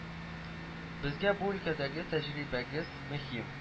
Безгә бу өлкәдә тәҗрибәгез мөһим